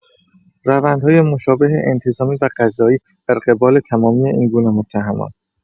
روندهای مشابه انتظامی و قضایی در قبال تمامی این‌گونه متهمان